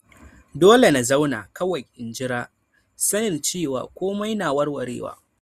Dole na zauna kawai in jira, sanin cewa komai na warwarewa.